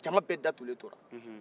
jama bɛɛ datugulen tora